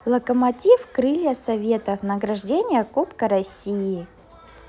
локомотив крылья советов награждение кубка россии